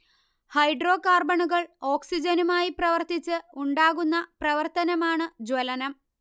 ഹൈഡ്രോകാർബണുകൾ ഓക്സിജനുമായി പ്രവർത്തിച്ച് ഉണ്ടാകുന്ന പ്രവർത്തനമാണ് ജ്വലനം